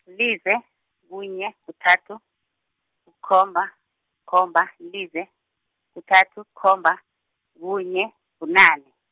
lize, kunye, kuthathu, kukhomba, ukhomba, lize, kuthathu, kukhomba, kunye, bunane.